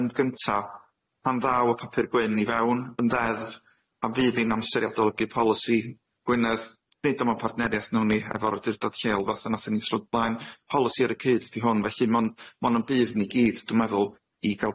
Y- yn gynta pan ddaw y papur gwyn i fewn yn ddedd- a fydd i'n amser i adolygu polisi Gwynedd nid o'm yn partnerieth nown ni efo'r adeudad lleol fatha nathon ni'n srod blaen polisi ar y cyd ydi hwn felly mon mon yn bydd ni gyd dwi'n meddwl i ga'l